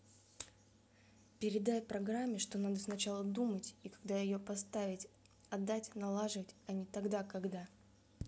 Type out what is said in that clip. передай программе что надо сначала думать и когда ее поставить отдать налаживать а не тогда когда